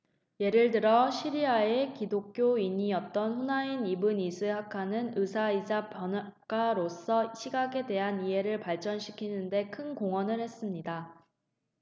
예를 들어 시리아의 기독교인이었던 후나인 이븐 이스하크는 의사이자 번역자로서 시각에 대한 이해를 발전시키는 데 큰 공헌을 했습니다